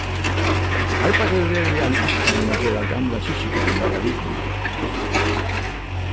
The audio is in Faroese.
arbeitt hevur verið við eini ætlan um at gera gamla kirkjugarðin meira viðkomandi